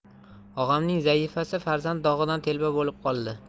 og'amning zaifasi farzand dog'idan telba bo'lib qoldi